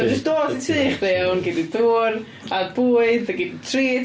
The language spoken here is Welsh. Jyst dos i y tŷ i chdi iawn gei di dŵr a bwyd a gei di treat.